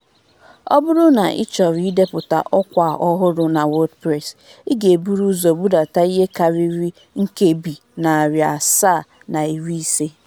Ọ bụrụ na ịchọrọ idepụta ọkwa ọhụrụ na WordPress (2.7.1), ị ga-eburu ụzọ budata ihe karịrị 750kb.